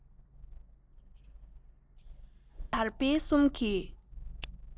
བྱུང དར འཕེལ གསུམ གྱི